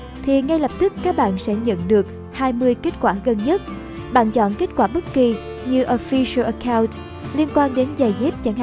thì ngay lập tức các bạn sẽ nhận được kết quả gần nhất bạn chọn kết quả bất kì như official account liên quan đến giày dép chẳng hạn